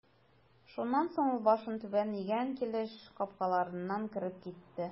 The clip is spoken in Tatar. Шуннан соң ул башын түбән игән килеш капкаларыннан кереп китте.